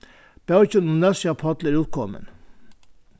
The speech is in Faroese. bókin um nólsoyar páll er útkomin